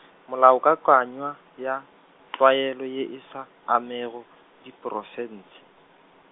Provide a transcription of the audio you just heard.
melaokakanywa ya, tlwaelo ye e sa, amego, diprofense.